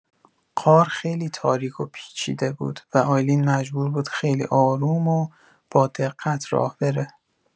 غار خیلی تاریک و پیچیده بود و آیلین مجبور بود خیلی آروم و با دقت راه بره.